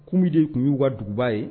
Kunbi de tun y'u waga duguba ye